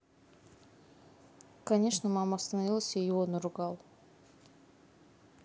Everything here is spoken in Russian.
конечно мама остановился и его наругал